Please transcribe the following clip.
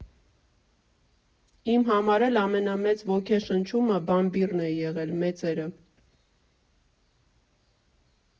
Իմ համար էլ ամենամեծ ոգեշնչումը Բամբիռն է եղել, մեծերը։